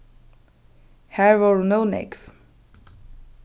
har vóru nóg nógv